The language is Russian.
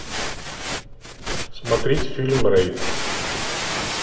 смотреть фильм рейд